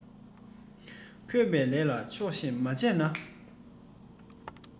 བཀོད པའི ལས ལ ཆོག ཤེས མ བྱས ན